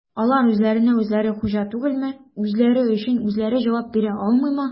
Алар үзләренә-үзләре хуҗа түгелме, үзләре өчен үзләре җавап бирә алмыймы?